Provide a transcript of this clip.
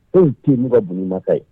Tɔn tɛ ɲuman ka bolomaka ye